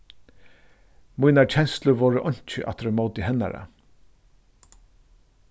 mínar kenslur vóru einki aftur ímóti hennara